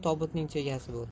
tobutning chegasi bo'l